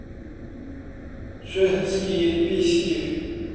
женские письки